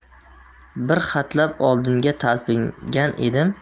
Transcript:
bir hatlab oldinga talpingan edim